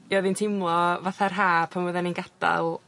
Ia o'dd 'i'n teimlo fatha'r Ha pan oddan ni'n gadal